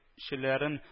Челәрен